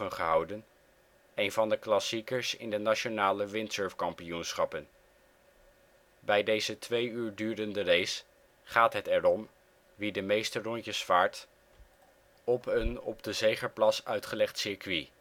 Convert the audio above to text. gehouden, een van de klassiekers in de nationale windsurfkampioenschappen. Bij deze twee uur durende race gaat het erom wie de meeste rondjes vaart op een op de Zegerplas uitgelegd circuit